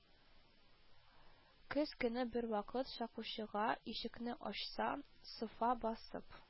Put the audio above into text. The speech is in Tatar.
Көз көне бервакыт шакучыга ишекне ачса, Софа басып